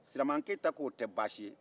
siraman keyita ko o tɛ baasi ye